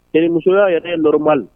Jelimuso yyaa yɛrɛɔrɔ bali